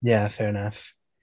Yeah, fair enough.